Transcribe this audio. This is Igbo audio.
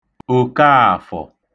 Òkaàfọ̀